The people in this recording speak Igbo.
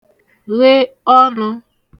ghe ọnụ